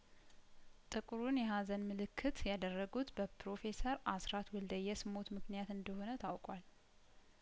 ጥቁሩን የሀዘን ምልክት ያደረጉት በፕሮፌሰር አስራት ወልደየስ ሞትምክንያት እንደሆነ ታውቋል